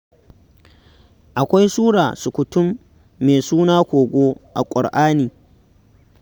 Akwai sura sukutum mai suna Kogo a ƙur'ani.